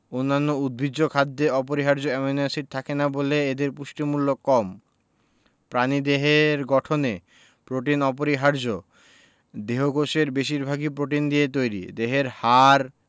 অন্যান্য উদ্ভিজ্জ খাদ্যে অপরিহার্য অ্যামাইনো এসিড থাকে না বলে এদের পুষ্টিমূল্য কম প্রাণীদেহের গঠনে প্রোটিন অপরিহার্য দেহকোষের বেশির ভাগই প্রোটিন দিয়ে তৈরি দেহের হাড়